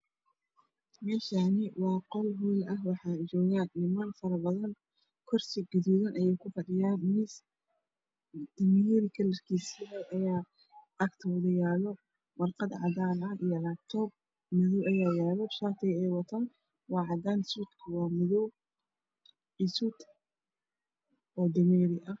Meeshaan waa qol howl ah waxaa joogaan niman fara badan kursi gaduudan ayay ku fadhiyaan miis dameeri kalarkiisa eh ayaa agtooda yaalo warqad cadaan iyo laabtoob madow ayaa yaalo shaatiga ay wataan waa cadaan suudku waa madow iyo suud dameeri ah.